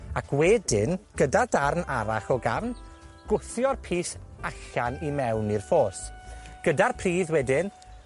ac wedyn, gyda darn arall o gafn, gwthio'r pys allan i mewn i'r ffos. Gyda'r pridd wedyn